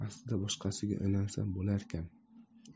aslida boshqasiga uylansam bo'larkan